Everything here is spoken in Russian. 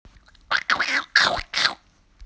от чего бывает инсульт